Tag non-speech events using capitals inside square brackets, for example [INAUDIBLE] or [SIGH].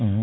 [HESITATION] [HESITATION]